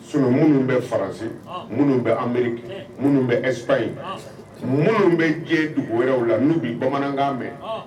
Sinon minnu bɛ France ,han, minnu bɛ Amérique , hun, minnu bɛ Espagne , han, minnu bɛ diɲɛ dugu wɛrɛw la, n'u bɛ bamanankan mɛn, han.